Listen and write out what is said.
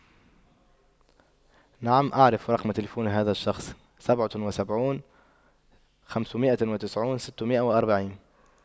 نعم أعرف رقم تلفون هذا الشخص سبعة وسبعون خمس مئة وتسعون ستمئة وأربعين